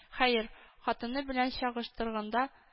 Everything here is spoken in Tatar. Хәер, хатыны белән чагыштырганда